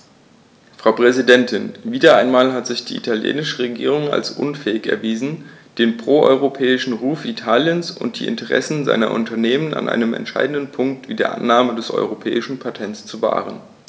Frau Präsidentin, wieder einmal hat sich die italienische Regierung als unfähig erwiesen, den pro-europäischen Ruf Italiens und die Interessen seiner Unternehmen an einem entscheidenden Punkt wie der Annahme des europäischen Patents zu wahren.